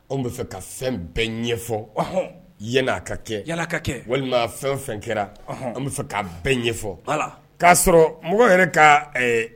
Anw bɛ fɛ ka fɛn bɛɛ ɲɛfɔ yana ka kɛ yala ka kɛ walima fɛn fɛn kɛra an bɛ fɛ ka bɛɛ ɲɛfɔ k' sɔrɔ mɔgɔw yɛrɛ ka